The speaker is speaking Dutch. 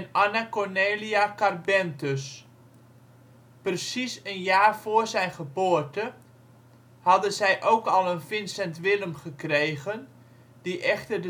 Anna Cornelia Carbentus. Precies een jaar voor zijn geboorte hadden zij ook al een Vincent Willem gekregen, die echter